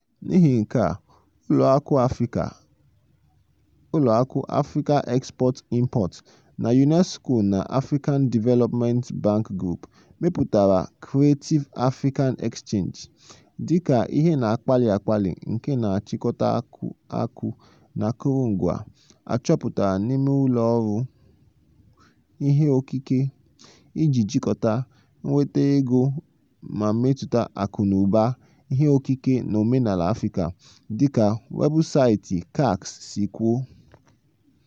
N'ihi nke a, ụlọ akụ Africa Export-Import (Afreximbank) na UNESCO na African Development Bank Group, mepụtara Creative Africa Exchange (CAX) dị ka "ihe na-akpali akpali nke na-achịkọta akụ na akụrụngwa achọpụtara n'ime ụlọ ọrụ ihe okike" iji jikọta, nweta ego ma metụta akụnụba ihe okike na omenala Africa, dịka weebụsaịtị CAX si kwuo.